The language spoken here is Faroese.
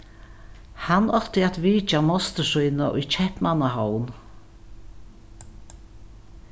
hann átti at vitjað mostir sína í keypmannahavn